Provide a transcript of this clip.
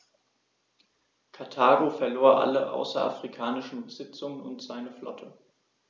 Karthago verlor alle außerafrikanischen Besitzungen und seine Flotte.